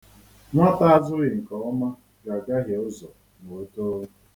Nwata azụghị nkeọma ga-agahie ụzọ ma o too.